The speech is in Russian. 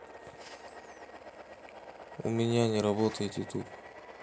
у меня не работает youtube